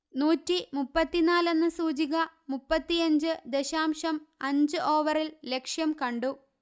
നൂറ്റി മുപ്പത്തിനാലെന്ന സൂചിക മുപ്പത്തിയഞ്ച് ദശാംശം അഞ്ച് ഓവറില് ലക്ഷ്യം കണ്ടു